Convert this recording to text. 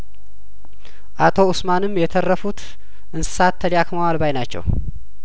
አቶ ኡስማንም የተረፉት እንሰሳት ተዳክመዋል ባይ ናቸው